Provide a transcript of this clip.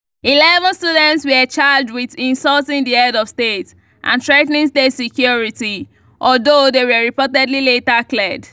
Eleven students were charged with "insulting the head of state" and "threatening state security", although they were reportedly later cleared.